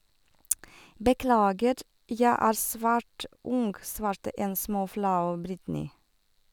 - Beklager, jeg er svært ung, svarte en småflau Britney.